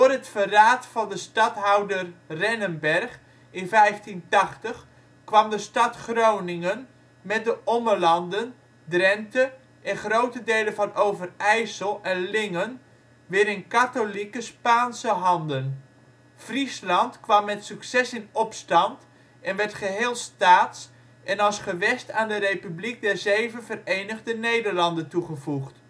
het " verraad " van de stadhouder Rennenberg in 1580 kwam de stad Groningen met de Ommelanden, Drenthe en grote delen van Overijssel en Lingen weer in katholieke, Spaanse handen. Friesland kwam met succes in opstand en werd geheel Staats en als gewest aan de Republiek der Zeven Verenigde Nederlanden toegevoegd